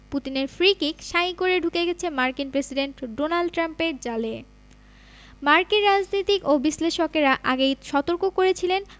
পুতিনের free kick শাঁই করে ঢুকে গেছে মার্কিন প্রেসিডেন্ট ডোনাল্ড ট্রাম্পের জালে মার্কিন রাজনীতিক ও বিশ্লেষকেরা আগেই সতর্ক করেছিলেন